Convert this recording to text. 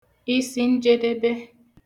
isinjedebe